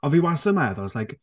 A fi wastad yn meddwl it's like...